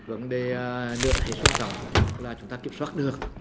vấn đề nợ hay xương rồng là chúng ta kiểm soát được